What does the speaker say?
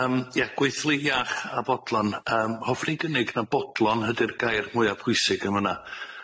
Yym ia gweithlu iach a fodlon, yym hoffwn i gynnig na bodlon ydi'r gair mwya pwysig yn fynna.